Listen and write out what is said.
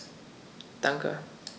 Danke.